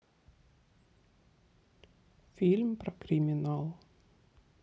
фильм про криминал